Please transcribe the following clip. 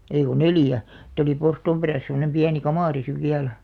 ei kun neljä sitten oli porstuan perässä semmoinen pieni kamari sitten vielä